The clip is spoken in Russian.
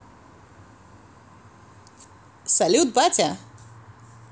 салют батя